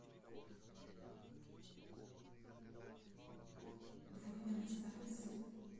двойня на старости